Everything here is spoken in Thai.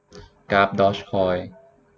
กราฟดอร์จคอย